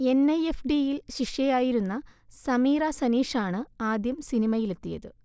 N I F D യിൽ ശിഷ്യയായിരുന്ന സമീറ സനീഷാണ് ആദ്യം സിനിമയിലെത്തിയത്